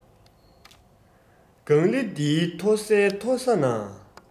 ལྒང ལི འདིའི མཐོ སའི མཐོ ས ན